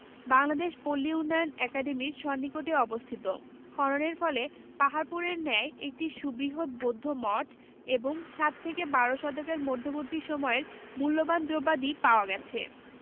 বাংলাদেশ পল্লী উন্নয়ন অ্যাকাডেমির সন্নিকটে অবস্থিত খননের ফলে পাহাড়পুর এর ন্যায় একটি সুবৃহৎ বৌদ্ধ মঠ এবং সাত থেকে বারো শতকের মধ্যবর্তী সময়ের মূল্যবান দ্রব্যাদি পাওয়া গেছে